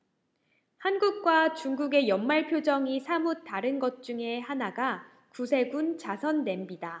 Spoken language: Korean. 한국과 중국의 연말 표정이 사뭇 다른 것 중의 하나가구세군 자선냄비다